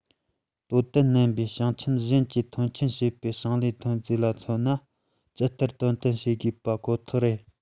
དོ དམ ནན པོ ཞིང ཆེན གཞན གྱི ཐོན སྐྱེད བྱས པའི ཞིང ལས ཐོན རྫས ལ མཚོན ན ཇི ལྟར དོ དམ བྱེད དགོས པ ཁོ ཐག རེད